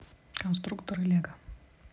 конструкторы лего